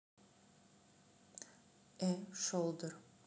э шолдер